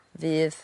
fydd